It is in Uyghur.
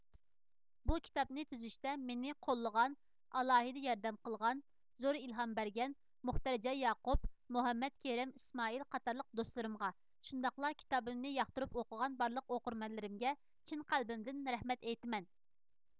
بۇ كىتابنى تۈزۈشتە مېنى قوللىغان ئالاھىدە ياردەم قىلغان زور ئىلھام بەرگەن مۇختەرجان ياقۇپ مۇھەممەد كېرەم ئىسمائىل قاتارلىق دوستلىرىمغا شۇنداقلا كىتابىمنى ياقتۇرۇپ ئوقۇغان بارلىق ئوقۇرمەنلىرىمگە چىن قەلبىمدىن رەھمەت ئېيتىمەن